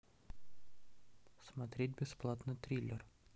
смотреть бесплатно триллер